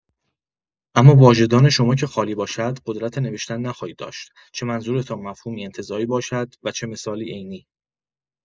اما واژه‌دان شما که خالی باشد، قدرت نوشتن نخواهید داشت چه منظورتان مفهومی انتزاعی باشد و چه مثالی عینی!